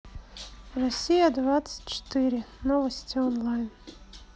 россия двадцать четыре новости онлайн